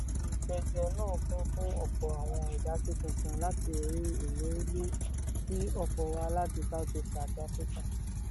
Àwọn ìpèjọ náà kún fún ọ̀pọ̀ àwọn ìdásí tuntun láti orí ímeèlì, tí ọ̀pọ̀ wá láti South Asia àti Africa.